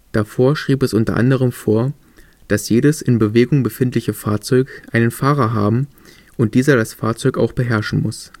Davor schrieb es unter anderem vor, dass jedes in Bewegung befindliche Fahrzeug einen Fahrer haben und dieser das Fahrzeug auch beherrschen muss